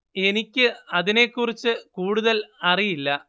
എനിക്ക് അതിനെ കുറിച്ച് കൂടുതല്‍ അറിയില്ല